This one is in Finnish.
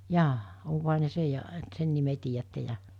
jaa onkohan ne sen ja että sen nimen tiedätte ja